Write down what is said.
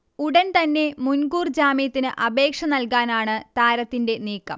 ഉടൻ തന്നെ മുൻകൂർ ജാമ്യത്തിന് അപേക്ഷ നൽകാനാണ് താരത്തിന്റെ നീക്കം